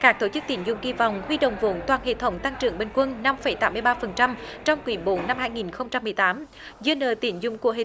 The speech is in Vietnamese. các tổ chức tín dụng quay vòng huy động vốn toàn hệ thống tăng trưởng bình quân năm phẩy tám mươi ba phần trăm trong quý bốn năm hai nghìn không trăm mười tám dư nợ tín dụng của hệ